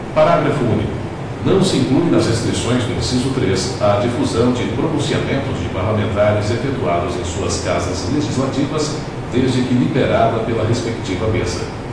parágrafo único não se inclui nas restrições do inciso três a difusão de pronunciamentos de parlamentares efetuados em suas casas legislativas desde que liberada pela respectiva mesa